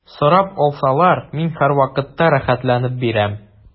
Сорап алсалар, мин һәрвакытта рәхәтләнеп бирәм.